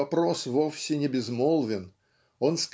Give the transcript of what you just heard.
вопрос вовсе не безмолвен, - он.